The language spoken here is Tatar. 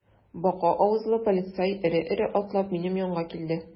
Бака авызлы полицай эре-эре атлап минем янга килде.